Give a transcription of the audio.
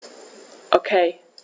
Okay.